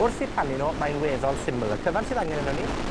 wrth 'u plannu nw, mae'n weddol syml, y cyfan sydd angen arnon ni